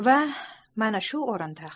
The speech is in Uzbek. va mana shu o'rinda